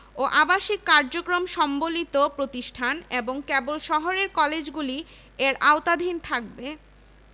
ও আবাসিক কার্যক্রম সম্বলিত প্রতিষ্ঠান এবং কেবল শহরের কলেজগুলি এর আওতাধীন থাকবে